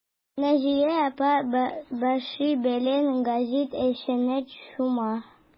Наҗия апа башы белән гәзит эшенә чума.